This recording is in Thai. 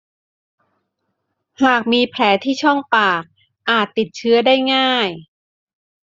หากมีแผลที่ช่องปากอาจติดเชื้อได้ง่าย